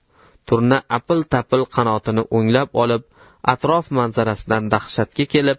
turna apil tapil qanotini o'nglab oldi va atrof manzarasidan dahshatga kelib